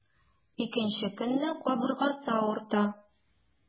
Икенче көнне кабыргасы авырта.